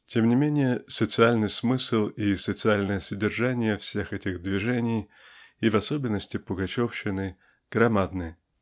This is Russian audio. Тем не менее социальный смысл и социальное содержание всех этих движений и в особенности пугачевщины громадны